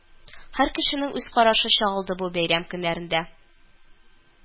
Һәр кешенең үз карашы чагылды бу бәйрәм көннәрендә